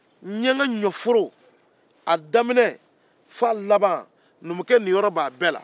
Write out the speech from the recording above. n ye n ɲɔforo a daminɛ f'a laban numukɛ ninyɔrɔ b'a bɛɛ la